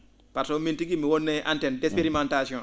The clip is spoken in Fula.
par ce miin tigi mi wonno e antenne d'expérimentation